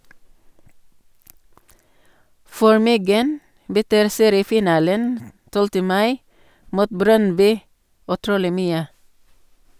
For Myggen betyr seriefinalen 12. mai mot Brøndby utrolig mye.